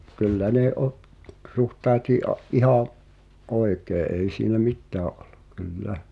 kyllä ne - suhtautui - ihan oikein ei siinä mitään ollut kyllä